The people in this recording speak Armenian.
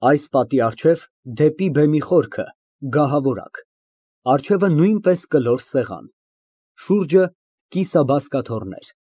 Այս պատի առջև, դեպի բեմի խորքը գահավորակ, առջևը նույնպես կլոր սեղան, շուրջը կիսաբազկաթոռներ։